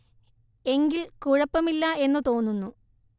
എങ്കിൽ കുഴപ്പം ഇല്ല എന്നു തോന്നുന്നു